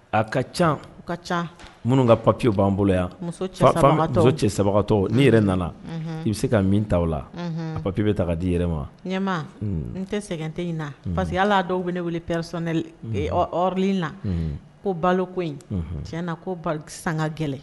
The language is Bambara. A ka ca ka ca minnu ka papiyey b'an bolo yan cɛ sabatɔ n' yɛrɛ nana i bɛ se ka min ta la papi bɛ taa d di yɛrɛ ma n tɛ sɛgɛn tɛ in na parce que ala dɔw bɛ ne wele pɛreɛ na ko balo ko in tiɲɛna ko sanga gɛlɛn